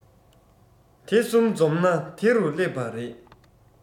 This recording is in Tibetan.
དེ གསུམ འཛོམས ན དེ རུ སླེབས པ རེད